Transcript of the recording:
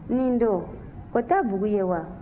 nin dun o tɛ bugu ye wa